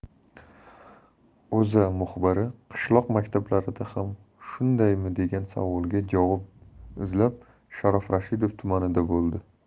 o'za muxbiri qishloq maktablarida ham shundaymi degan savolga javob izlab sharof rashidov tumanida bo'ldi